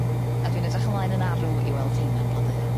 A dwi'n edrych ymlaen yn arw i weld rheina'n blodeuo.